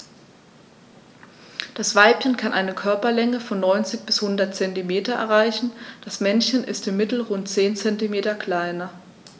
Das Weibchen kann eine Körperlänge von 90-100 cm erreichen; das Männchen ist im Mittel rund 10 cm kleiner.